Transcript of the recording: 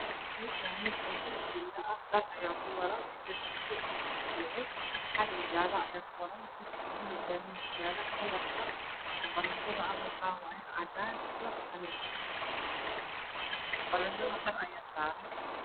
Meeshaan waa guri fillo ah dhar ayaa kuwaran darbigiisa. xarig jaala ayaa kuxiran. Kursi bulug ah ayaa meesha yaalo. Barandada waa cadaan iyo qalin dhar ayaana saaran.